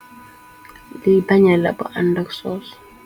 Li beneex la bu andak soos.